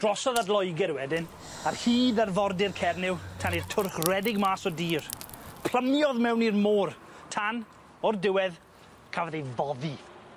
Drosodd at Loeger wedyn, ar hyd arfordir Cernyw, tan i'r twrch redeg mas o dir plymiodd mewn i'r môr, tan, o'r diwedd, cafodd ei foddi.